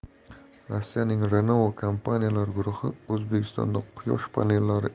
rossiyaning renova kompaniyalar guruhi o'zbekistonda quyosh panellari